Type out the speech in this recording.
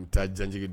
U taa janjigi d